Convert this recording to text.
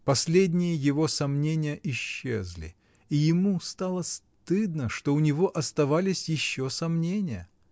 последние его сомнения исчезли -- и ему стало стыдно, что у него оставались еще сомнения.